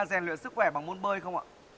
rèn luyện sức khỏe bằng môn bơi không ạ